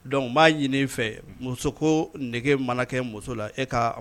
- Donc n b'a ɲini fɛ, muso ko nege mana kɛ muso la, e ka